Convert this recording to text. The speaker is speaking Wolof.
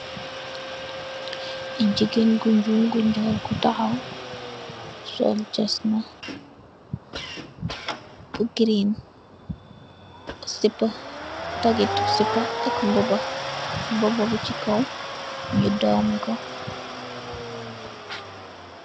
Gigain gu njul, gu njol, gu takhaw sol getzner bu green, bu sipa dagiti sipa ak mbuba, mbuba bii chi kaw nju dawmeh kor.